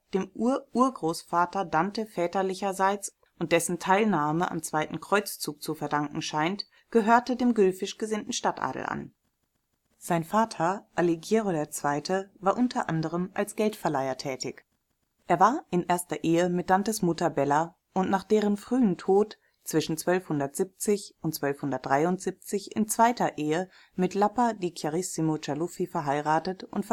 dem Ur-Urgroßvater Dantes väterlicherseits, und dessen Teilnahme am Zweiten Kreuzzug zu verdanken scheint, gehörte dem guelfisch gesinnten Stadtadel an. Sein Vater Alighiero II. war unter anderem als Geldverleiher tätig. Er war in erster Ehe mit Dantes Mutter Bella und nach deren frühem Tod (zwischen 1270 und 1273) in zweiter Ehe mit Lapa di Chiarissimo Cialuffi verheiratet und verstarb